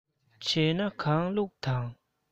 བྱས ན གང བླུགས དང